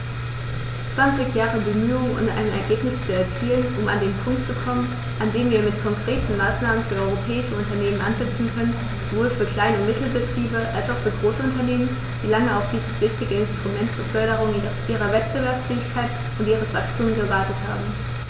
Zwanzig Jahre Bemühungen, um ein Ergebnis zu erzielen, um an den Punkt zu kommen, an dem wir mit konkreten Maßnahmen für europäische Unternehmen ansetzen können, sowohl für Klein- und Mittelbetriebe als auch für große Unternehmen, die lange auf dieses wichtige Instrument zur Förderung ihrer Wettbewerbsfähigkeit und ihres Wachstums gewartet haben.